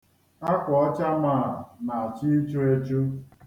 Akwà ọcha m a na-achọ ichu echu.